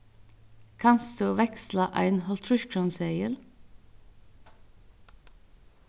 kanst tú veksla ein hálvtrýsskrónuseðil